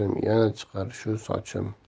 yana chiqar shu sochim